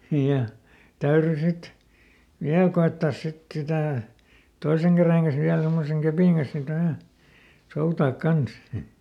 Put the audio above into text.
ja täytyi sitten vielä koettaa sitten sitä toisen käden kanssa vielä tuommoisen kepin kanssa sitten aina soutaa kanssa